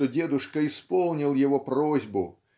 что дедушка исполнил его просьбу